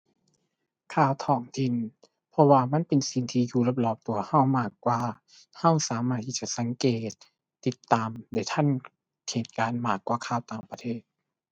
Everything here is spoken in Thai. ข่าวท้องถิ่น เพราะว่ามันเป็นสิ่งที่อยู่รอบรอบตัวเรามากกว่า เราสามารถที่จะสังเกต ติดตามได้ทันเหตุการณ์มากกว่าข่าวต่างประเทศ